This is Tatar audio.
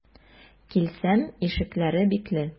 Килсәм, ишекләре бикле.